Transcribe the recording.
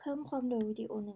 เพิ่มความเร็ววีดีโอหนึ่ง